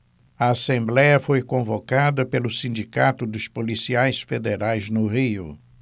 a assembléia foi convocada pelo sindicato dos policiais federais no rio